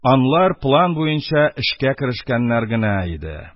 Анлар план буенча эшкә керешкәннәр генә иде.